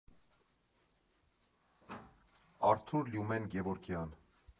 Արթուր Լյումեն Գևորգյան։